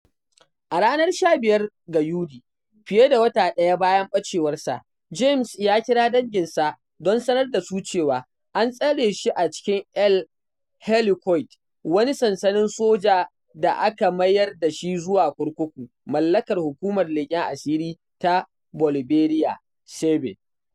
A ranar 15 ga Yuni, fiye da wata ɗaya bayan ɓacewar sa, Jaimes ya kira danginsa don sanar da su cewa an tsare shi a cikin El Helicoide, wani sansanin soja da aka mayar dashi zuwa kurkuku mallakar Hukumar Leƙen Asiri ta Boliberiya, SEBIN.